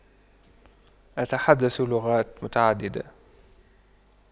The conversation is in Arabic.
أتحدث لغات متعددة